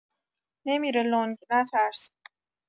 نمی‌ره لنگ نترس